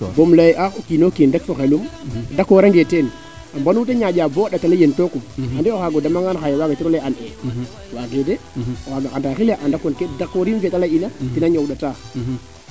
bom leye a o kiino kiin rek fo xelum o d' accord ange teen mbanu te jaaƴa bo a ndata yen tookum ande o xaaga o dema ngaan xeye waga tiro leyee an ee waage de o xaaga anda xile a anda d' accord no keete ley ina kede ñoowdata